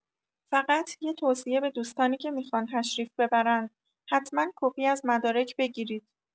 فقط یه توصیه به دوستانی که میخوان تشریف ببرند، حتما کپی از مدارک بگیرید